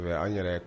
An yɛrɛ